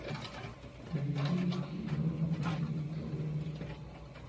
найти кино один дома